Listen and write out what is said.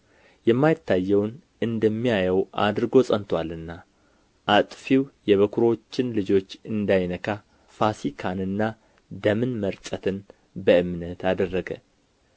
የማይታየውን እንደሚያየው አድርጎ ጸንቶአልና አጥፊው የበኵሮችን ልጆች እንዳይነካ ፋሲካንና ደምን መርጨትን በእምነት አደረገ